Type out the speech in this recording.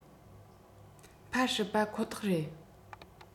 འཕར སྲིད པ ཁོ ཐག རེད